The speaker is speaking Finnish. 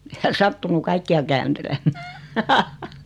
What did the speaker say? ei hän sattunut kaikkia kääntelemään